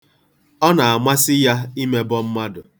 Ọ na-amasị ya imebọ mmadụ.